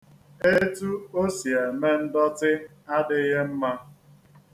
Etu o si eme ndọtị adịghị mma.